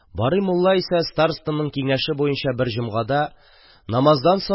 Барый мулла исә, старостаның киңәше буенча, бер җомгада, намаздан соң,